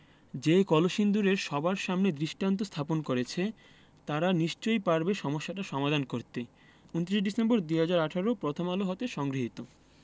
যে কলসিন্দুর সবার সামনে দৃষ্টান্ত স্থাপন করেছে তারা নিশ্চয়ই পারবে সমস্যাটার সমাধান করতে ২৯ ডিসেম্বর ২০১৮ প্রথম আলো হতে সংগৃহীত